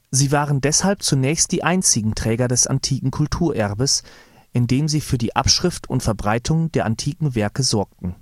Sie waren deshalb zunächst die einzigen Träger des antiken Kulturerbes, indem sie für die Abschrift und Verbreitung der antiken Werke sorgten